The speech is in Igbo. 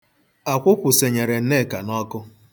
Akwụkwụ senyere Nneka n'ọkụ.